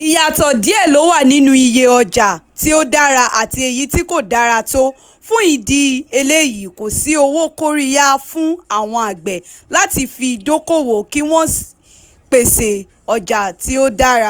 Ìyàtọ̀ díẹ̀ ló wà nínú ìyè ọjà tí ó dára àti èyí tí kò dára tó, fún ìdí eléyìí kò sì owó kóríyá fún àwọn àgbẹ̀ láti fi dókoòwò kí wọn ó sì pèsè ọjà tí ó dára.